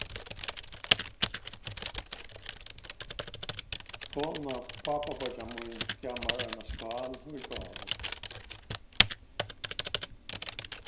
kona pápabeiggja mín gav mær ein skál í gávu